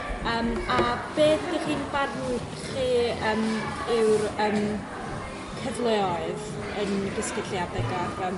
Yym a beth dych chi'n barn chi yym yw'r yym cyfleoedd yn gysgyslliadig â'r yym